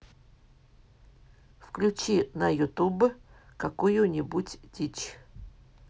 включи на ютуб какую нибудь дичь